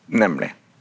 nemlig.